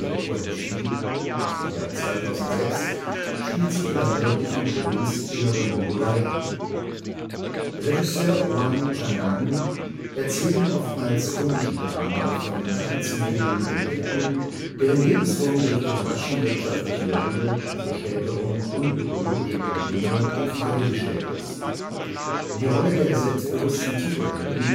hūnshì) aus dem Jahr 2006 spielt sich in der nördlichen Provinz Innere Mongolei ab. Regisseur Wang Quan'an erzählt im oftmals komischen Drama von traditionell lebenden Hirten, deren Lebensform durch den raschen wirtschaftlichen Wandel, Verstädterung und ökologische Probleme in Frage gestellt ist. Die Rolle der selbstbewussten Titelheldin